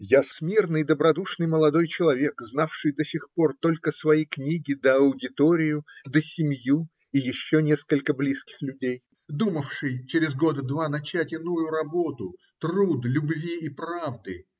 Я, смирный, добродушный молодой человек, знавший до сих пор только свои книги, да аудиторию, да семью и еще несколько близких людей, думавший через год-два начать иную работу, труд любви и правды